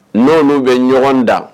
Nɔnɔ bɛ ɲɔgɔn da